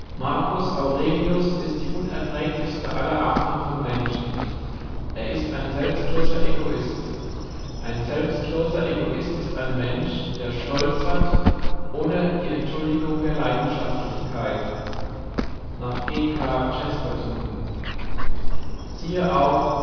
Marcus Aurelius ist die unerträglichste aller Arten von Menschen. Er ist ein selbstloser Egoist. Ein selbstloser Egoist ist ein Mensch, der Stolz hat, ohne die Entschuldigung der Leidenschaftlichkeit. "-- G. K. Chesterton siehe auch